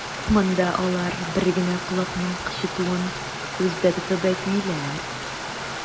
Монда алар бер генә колакның кычытуын күздә тотып әйтмиләр.